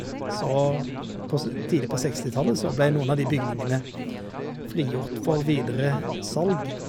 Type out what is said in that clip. Så på s tidlig på sekstitallet så blei noen av de bygningene frigjort for videresalg.